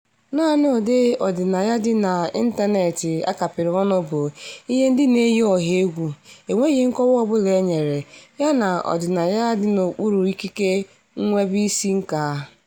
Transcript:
Naanị ụdị ọdịnaya dị n'ịntanetị a kapịrị ọnụ bụ "ihe ndị na-eyi ọha egwu" (enweghị nkọwa ọ bụla enyere) yana ọdịnaya dị n'okpuru ikike nwebisiinka.